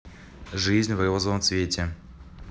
жизнь в розовом цвете